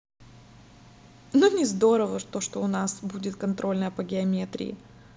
ну не здорово то что у нас будет контрольная по геометрии